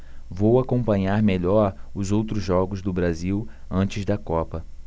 vou acompanhar melhor os outros jogos do brasil antes da copa